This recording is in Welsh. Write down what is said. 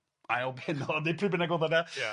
ail bennod, neu pryd bynnag oedd o de... Ia.